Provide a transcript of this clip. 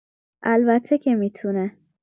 البته که می‌تونه.